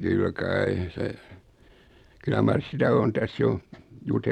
kyllä kai se kyllä mar sitä on tässä jo -